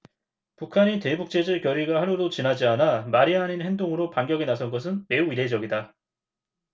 북한이 대북 제재 결의가 하루도 지나지 않아 말이 아닌 행동으로 반격에 나선 것은 매우 이례적이다